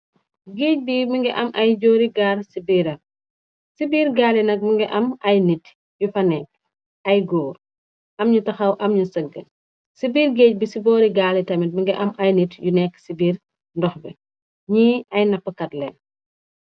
Géej bi mi nga am ay joori gaar ci biirab ci biir gaali nak mi nga am ay nit yu fa nekk ay góor am ñu taxaw am ñu sëggn ci biir géej bi ci boori gaali tamit mi nga am ay nit yu nekk ci biir ndox be ñi ay nappkat leen.